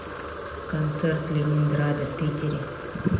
концерт ленинграда в питере